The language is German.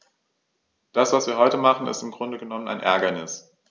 Das, was wir heute machen, ist im Grunde genommen ein Ärgernis.